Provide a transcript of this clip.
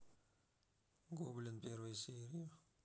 гоблин первая серия